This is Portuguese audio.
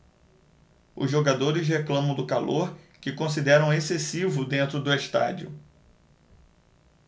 os jogadores reclamam do calor que consideram excessivo dentro do estádio